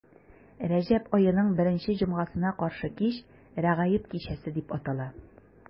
Рәҗәб аеның беренче җомгасына каршы кич Рәгаиб кичәсе дип атала.